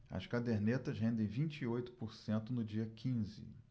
as cadernetas rendem vinte e oito por cento no dia quinze